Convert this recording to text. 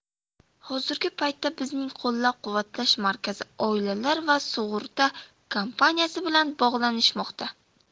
hozirgi paytda bizning qo'llab quvvatlash markazi oilalar va sug'urta kompaniyasi bilan bog'lanishmoqda